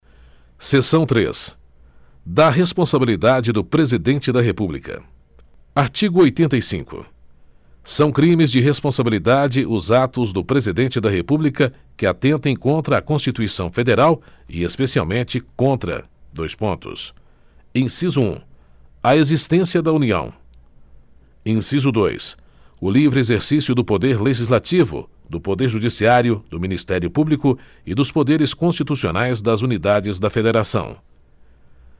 seção três da responsabilidade do presidente da república artigo oitenta e cinco são crimes de responsabilidade os atos do presidente da república que atentem contra a constituição federal e especialmente contra dois pontos inciso um a existência da união inciso dois o livre exercício do poder legislativo do poder judiciário do ministério público e dos poderes constitucionais das unidades da federação